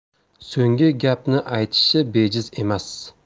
so'nggi gapni aytishi bejiz emas